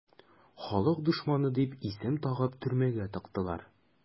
"халык дошманы" дип исем тагып төрмәгә тыктылар.